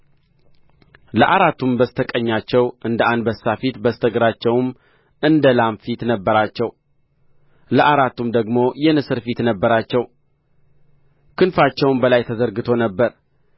ለአራቱም በስተ ቀኛቸው እንደ አንበሳ ፊት በስተ ግራቸውም እንደ ላም ፊት ነበራቸው ለአራቱም ደግሞ የንስር ፊት ነበራቸው ክንፋቸውም በላይ ተዘርግቶ ነበር